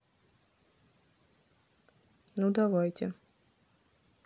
ну давайте